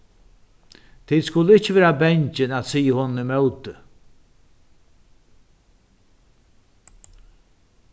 tit skulu ikki vera bangin at siga honum ímóti